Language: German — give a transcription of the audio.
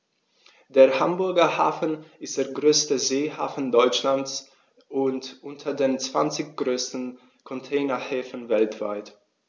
Der Hamburger Hafen ist der größte Seehafen Deutschlands und unter den zwanzig größten Containerhäfen weltweit.